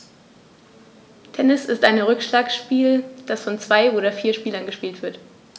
Tennis ist ein Rückschlagspiel, das von zwei oder vier Spielern gespielt wird.